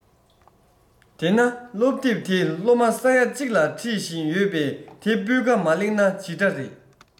དེ ན སློབ དེབ དེ སློབ མ ས ཡ གཅིག ལ ཁྲིད བཞིན ཡོད པས དེ སྤུས ཀ མ ལེགས ན ཇི འདྲ རེད